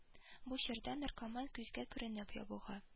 Бу чорда наркоман күзгә күренеп ябыга